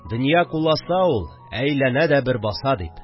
Дөнья куласа ул, әйләнә дә бер баса, дип